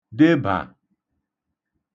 debà